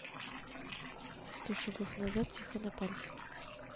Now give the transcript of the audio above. сто шагов назад тихо на пальцах